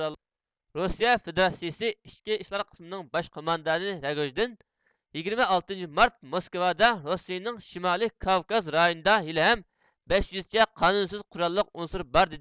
روسىيە فىدراتسىيىسى ئىچكى ئىشلار قىسمىنىڭ باش قوماندانى رەگوژدىن يىگىرمە ئالتىنچى مارت مۇسكۋادا روسىيىنىڭ شىمالىي كاۋكاز رايونىدا ھېلىھەم بەش يۈزچە قانۇنسىز قۇراللىق ئۇنسۇر بار دېدى